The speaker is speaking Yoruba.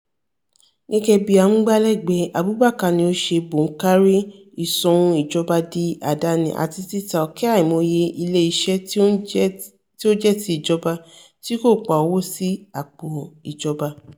Gẹ́gẹ́ bí amúgbálẹ́gbẹ̀ẹ́, Abubakar ni ó ṣe bònkárí ìsọhun-ìjọba-di-àdáni àti títa ọ̀kẹ́ àìmọye ilé iṣẹ́ tí ó jẹ́ ti ìjọba tí kò pa owó sí àpò ìjọba.